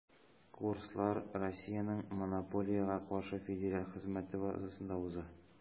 Курслар Россиянең Монополиягә каршы федераль хезмәте базасында уза.